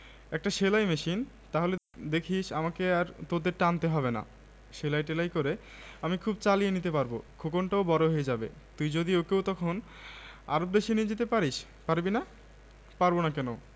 একটা সেলাই মেশিন তাহলে দেখিস আমাকে আর তোদের টানতে হবে না সেলাই টেলাই করে আমি খুব চালিয়ে নিতে পারব খোকনটাও বড় হয়ে যাবে তুই যদি ওকেও তখন আরব দেশে নিয়ে যেতে পারিস পারবি না পারব না কেন